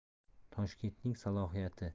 toshkentning salohiyati